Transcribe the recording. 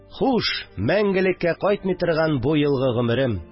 Хуш, мәңгелеккә кайтмый торган бу елгы гомерем